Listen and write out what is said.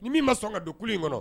Ni mini ma sɔn ka don kuru in kɔnɔ